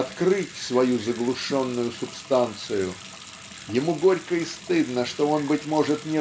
открыть свою заглушенную субстанцию. Ему горько и стыдно что он быть может